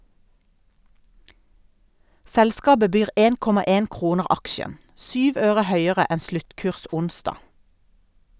Selskapet byr 1,1 kroner aksjen, syv øre høyere enn sluttkurs onsdag.